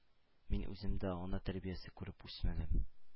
Мин үзем дә ана тәрбиясе күреп үсмәдем.